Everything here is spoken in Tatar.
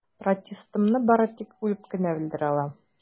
Протестымны бары тик үлеп кенә белдерә алам.